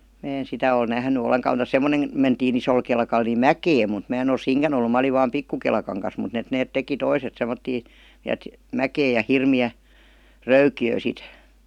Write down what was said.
minä en sitä ole nähnyt ollenkaan mutta semmoinen mentiin isolla kelkalla niin mäkeen mutta minä en ole siinäkään ollut minä olin vain pikku kelkan kanssa mutta että ne teki toiset semmoisia niin että mäkeen ja hirmeä röykkiö sitten